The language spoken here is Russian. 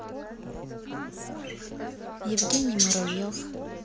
евгений муравьев